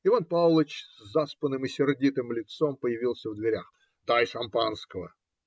Иван Павлыч с заспанным и сердитым лицом появился в дверях. - Дай шампанского!